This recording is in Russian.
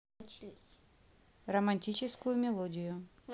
романтическую мелодию